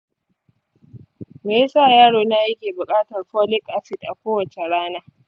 me yasa yaro na yake buƙatar folic acid a kowace rana?